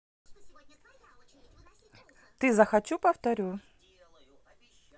ты захочу повторю